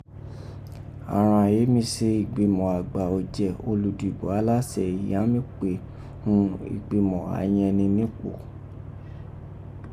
àghan ehi mi se igbimọ agba ọ̀jẹ oludibo alaṣẹ èyí án mi pè ghun Ìgbìmọ Ayànnẹnípò?